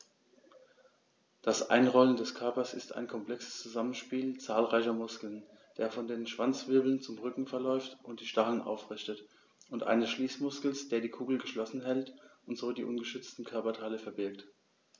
Das Einrollen des Körpers ist ein komplexes Zusammenspiel zahlreicher Muskeln, der von den Schwanzwirbeln zum Rücken verläuft und die Stacheln aufrichtet, und eines Schließmuskels, der die Kugel geschlossen hält und so die ungeschützten Körperteile verbirgt.